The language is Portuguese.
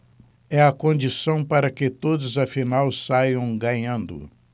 é a condição para que todos afinal saiam ganhando